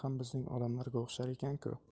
ham bizning odamlarga o'xshar ekan ku